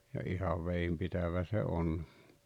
ja ihan vedenpitävä se on